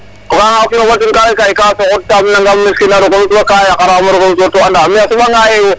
o ga'anga o kiin o xoɓatin ka layka yee ka soxodtaam nangam, a roka sutwa ka yaqanaam to andam mais a soɓanga yee wo